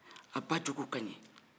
a ba cogo kaɲi